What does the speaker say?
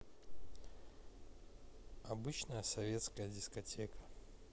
обычная советская дискотека